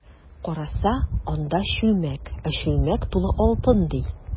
Караса, анда— чүлмәк, ә чүлмәк тулы алтын, ди.